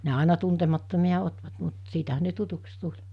ne aina tuntemattomia ottivat mutta siitähän ne tutuiksi tuli